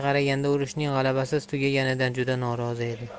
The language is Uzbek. qaraganda urushning g'alabasiz tugaganidan juda norozi edi